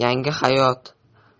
yangi hayot